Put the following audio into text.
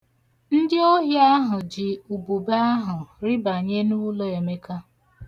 Ndị ohi ahụ ji ubube ahụ rịbanye n'ụlọ Emeka.